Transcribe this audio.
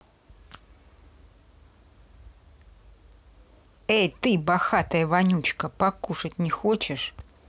эй ты бохатая вонючка покушать не хочешь